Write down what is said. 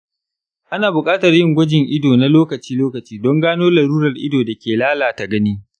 ana buƙatar yin gwajin ido na lokaci-lokaci don gano lalurar ido da ke lalata gani.